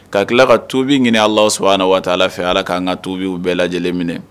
Ka tila ka tubi ɲini las a na waa ala fɛ ala k ka'an ka tubi u bɛɛ lajɛlen minɛ